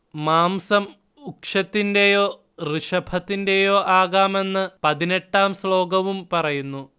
മാംസം ഉക്ഷത്തിന്റെയോ ഋഷഭത്തിന്റെയോ ആകാമെന്ന് പതിനെട്ടാം ശ്ലോകവും പറയുന്നു